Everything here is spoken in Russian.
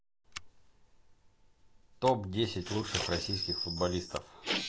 топ десять лучших российских футболистов